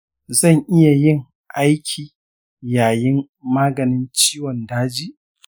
zan iya yin aiki yayin maganin ciwon daji?